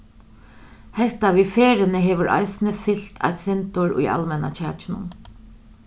hetta við ferðini hevur eisini fylt eitt sindur í almenna kjakinum